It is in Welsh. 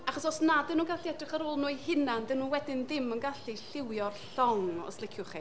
Achos os nad 'dyn nhw'n gallu edrych ar ôl nhw eu hunain, 'dyn nhw wedyn ddim yn gallu lliwio'r llong, os liciwch chi.